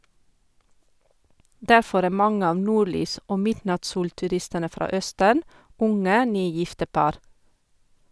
Derfor er mange av nordlys- og midnattssolturistene fra Østen unge, nygifte par.